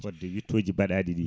fodde wittoji baɗaɗi ɗi